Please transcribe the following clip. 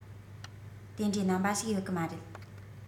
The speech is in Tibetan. དེ འདྲའི རྣམ པ ཞིག ཡོད གི མ རེད